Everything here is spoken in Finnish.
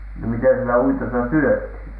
no mitä siellä uitossa syötiin